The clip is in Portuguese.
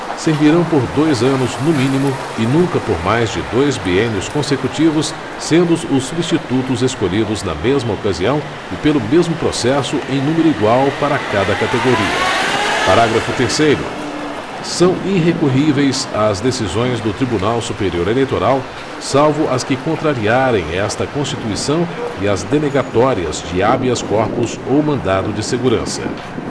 servirão por dois anos no mínimo e nunca por mais de dois biênios consecutivos sendo os substitutos escolhidos na mesma ocasião e pelo mesmo processo em número igual para cada categoria parágrafo terceiro são irrecorríveis as decisões do tribunal superior eleitoral salvo as que contrariarem esta constituição e as denegatórias de habeas corpus ou mandado de segurança